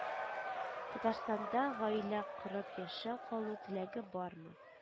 – татарстанда гаилә корып яшәп калу теләге бармы